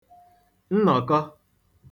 nnọ̀kọ